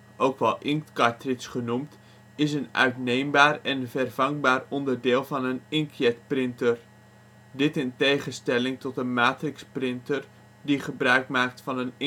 genoemd, is een uitneembaar en vervangbaar onderdeel van een inkjetprinter. Dit in tegenstelling tot een matrixprinter (ook naaldprinter genoemd) die gebruik maakt van een inktlint